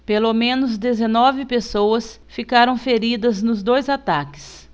pelo menos dezenove pessoas ficaram feridas nos dois ataques